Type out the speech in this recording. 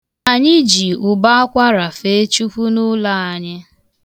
Anyị ji ụbọakwara fee Chukwu n'ụlọ anyị.